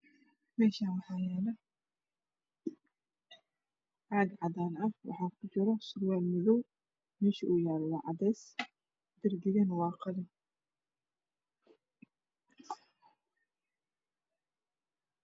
Meeshan waxaa yaalo caag cadaan ah waxaa kujiro surwaal madow mesha uu yaalo waa cadees darbigana waa qalin